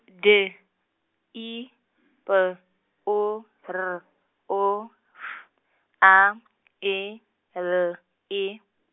D, I P O R O F A E L E.